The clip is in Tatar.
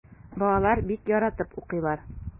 Балалар бик яратып укыйлар.